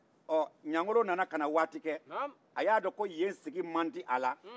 ɲangolo nana kana waati kɛ a y'a dɔn ko yen sigi man di a la